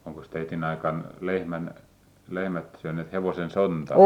onkos teidän aikana lehmän lehmät syöneet hevosen sontaa